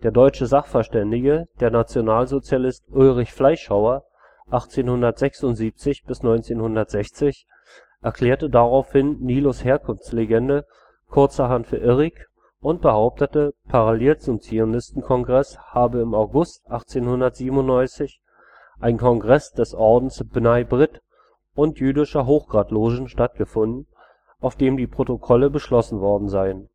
deutsche Sachverständige, der Nationalsozialist Ulrich Fleischhauer (1876 – 1960), erklärte daraufhin Nilus ' Herkunftslegende kurzerhand für irrig und behauptete, parallel zum Zionistenkongress habe im August 1897 ein „ Kongress des Ordens B’ nai B’ rith und jüdischer Hochgradlogen “stattgefunden, auf dem die Protokolle beschlossen worden seien